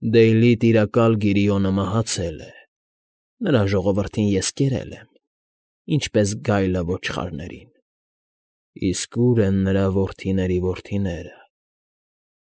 Դեյլի տիրակալ Գիրիոնը մահացել է, նրա ժողովրդին ես կերել եմ, ինչպես գայլը ոչխարներին, իսկ ո՞ւր են նրա որդների որդիները։